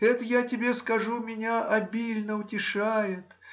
Это, я тебе скажу, меня обильно утешает